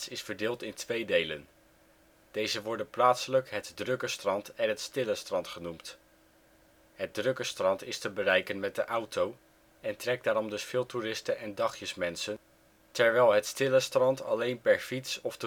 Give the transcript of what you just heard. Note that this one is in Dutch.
is verdeeld in twee delen. Deze worden plaatselijk het Drukke Strand en het Stille Strand genoemd. Het Drukke Strand is te bereiken met de auto en trekt daarom dus veel toeristen en dagjesmensen, terwijl het Stille Strand alleen per fiets of